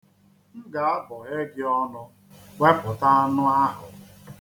M ga-abọhe gị ọnụ wepụta anụ ahụ.